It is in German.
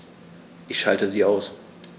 Ich schalte sie aus.